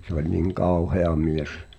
se oli niin kauhea mies